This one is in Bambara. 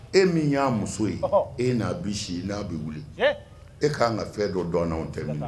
E min y'a muso ye. Ɔnhɔn! E n'a bɛ si, i n'a bɛ wuli. Tiɲɛ! E ka kan ka fɛn dɔ dɔn a la, an tɛ min